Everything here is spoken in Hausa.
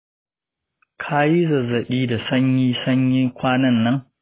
ka yi zazzabi da sanyi sanyi kwanan nan?